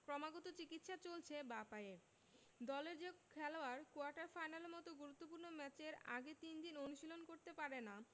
ক্রমাগত চিকিৎসা চলছে বাঁ পায়ে দলের যে খেলোয়াড় কোয়ার্টার ফাইনালের মতো গুরুত্বপূর্ণ ম্যাচের আগে তিন দিন অনুশীলন করতে পারে না